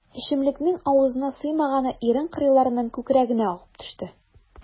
Эчемлекнең авызына сыймаганы ирен кырыйларыннан күкрәгенә агып төште.